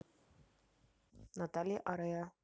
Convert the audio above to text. наталья орейро